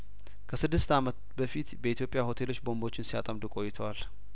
ከስድስት አመት በፊት በኢትዮጵያ ሆቴሎች ቦምቦችን ሲያጠምዱ ቆይተዋል